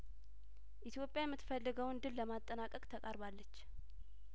ኢትዮጵያ የምትፈልገውን ድል ለማጠናቀቅ ተቃርባለች